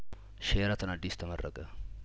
ሼራተን አዲስ ተመረቀ